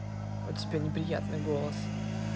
у тебя неприятный голос